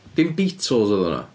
Dim Beatles oeddan nhw?